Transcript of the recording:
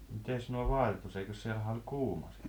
mitenkäs nuo vaatetus eikös siellähän oli kuuma sisällä